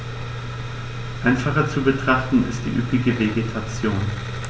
Einfacher zu betrachten ist die üppige Vegetation.